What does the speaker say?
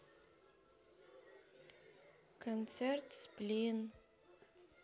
концерт сплин